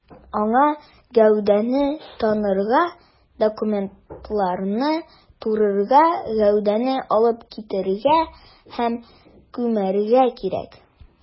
Аңа гәүдәне танырга, документларны турырга, гәүдәне алып китәргә һәм күмәргә кирәк.